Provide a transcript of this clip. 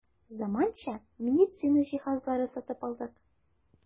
Заманча медицина җиһазлары сатып алдык.